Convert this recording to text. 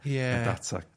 Ie. Yn data.